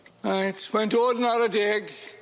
Reit mae'n dod yn ara deg.